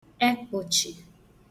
ẹkpụ̀chị̀